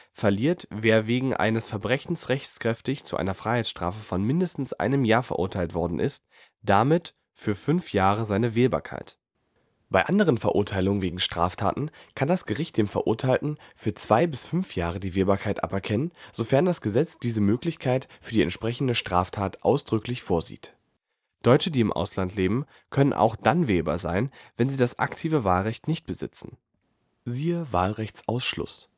verliert, wer wegen eines Verbrechens rechtskräftig zu einer Freiheitsstrafe von mindestens einem Jahr verurteilt worden ist, damit für fünf Jahre seine Wählbarkeit. Bei anderen Verurteilungen wegen Straftaten kann das Gericht dem Verurteilten für zwei bis fünf Jahre die Wählbarkeit aberkennen, sofern das Gesetz diese Möglichkeit für die entsprechende Straftat ausdrücklich vorsieht. Deutsche, die im Ausland leben, können auch dann wählbar sein, wenn sie das aktive Wahlrecht nicht besitzen. Siehe auch: Wahlrechtsausschluss